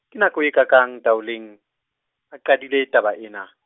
ke nako e kaakang Ntaoleng, a qadile taba ena?